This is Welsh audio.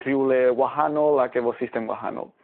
...rhywle wahanol ac efo system wahanol.